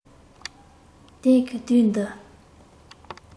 དེང གི དུས འདིར